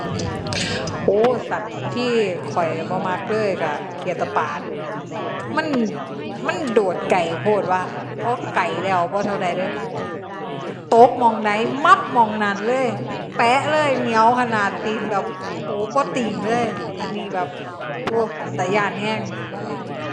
โอ้ สัตว์ที่ข้อยบ่มักเลยก็เขียดตะปาด มัน มันโดดไกลโพดวะ พอไกลแล้วบ่เท่าใดเดะ ตกหม้องใดมับหม้องนั้นเลย แปะเลย เหนียวขนาด ตีนแบบ โฮ บ่ติงเลย อันนี้แบบ โอ้ ตาย้านก็